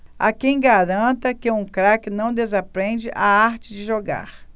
há quem garanta que um craque não desaprende a arte de jogar